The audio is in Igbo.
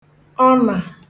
ọnà